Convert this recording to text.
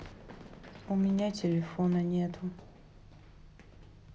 у меня телефона нету